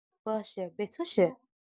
باشه به تو چه؟